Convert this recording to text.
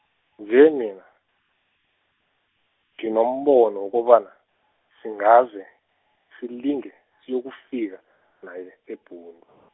nje mina, nginombono wokobana, singaze, silinge siyokufika, naye, eBhundu.